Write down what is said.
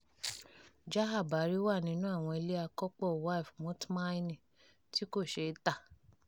Jahaj Bari wà nínú àwọn ilé àkọ́pọ̀ Waqf (mortmain) tí kò ṣe é tà.